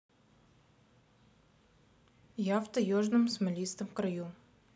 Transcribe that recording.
я в таежном смолистом краю